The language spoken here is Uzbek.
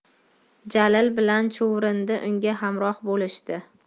jalil bilan chuvrindi unga hamroh bo'lishdi